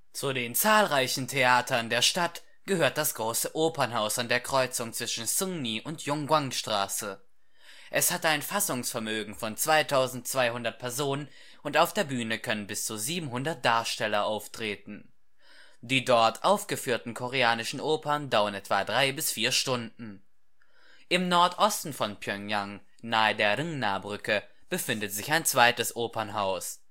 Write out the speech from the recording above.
Zu den zahlreichen Theatern der Stadt gehört das Große Opernhaus an der Kreuzung zwischen Sungni - und Yonggwang-Straße. Es hat ein Fassungsvermögen von 2.200 Personen und auf der Bühne können bis zu 700 Darsteller auftreten. Die dort aufgeführten koreanischen Opern dauern etwa drei bis vier Stunden. Im Nordosten von Pjöngjang, nahe der Rungna-Brücke, befindet sich ein zweites Opernhaus